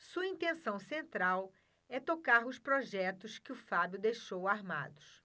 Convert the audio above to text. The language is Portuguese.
sua intenção central é tocar os projetos que o fábio deixou armados